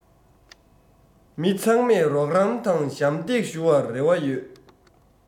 མི ཚང མས རོགས རམ དང ཞམ འདེགས ཞུ བར རེ བ ཡོད